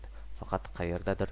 faqat qaerdadir